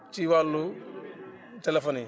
ci wàllu téléphone yi